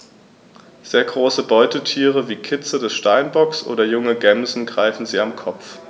Sehr große Beutetiere wie Kitze des Steinbocks oder junge Gämsen greifen sie am Kopf.